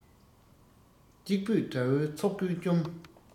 གཅིག པུས དགྲ བོའི ཚོགས ཀུན བཅོམ